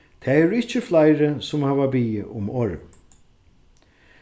tað eru ikki fleiri sum hava biðið um orðið